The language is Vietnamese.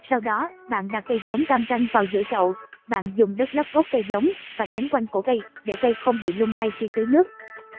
sau đó bạn đặt cây giống cam canh vào giữa chậu bạn dùng đất lấp gốc cây giống và nén quanh cổ cây để cây không bị lung lay khi tưới nước